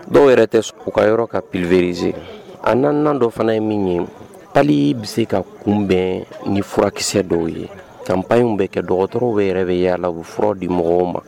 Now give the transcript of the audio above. Dɔw yɛrɛ tɛ sun kayɔrɔ ka plvereze a na dɔ fana ye min ye pali bɛ se ka kunbɛn ni furakisɛsɛ dɔw ye kaba in bɛ kɛ dɔgɔtɔrɔw bɛ yɛrɛ yala la uf fura di mɔgɔw ma